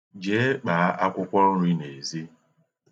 Jee kpaa akwụkwọ nri n'ezi